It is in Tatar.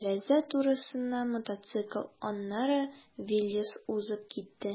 Тәрәзә турысыннан мотоцикл, аннары «Виллис» узып китте.